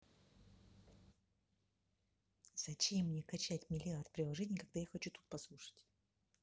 зачем мне качать миллиард приложений когда я хочу тут послушать